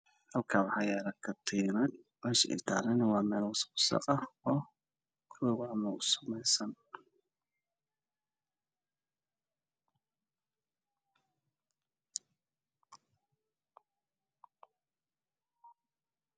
Halkaan waxaa yaalla meesha ay taalana waa meel shaqeysan waana ka tiinat